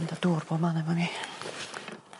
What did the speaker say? Mynd â dŵr pob man efo ni.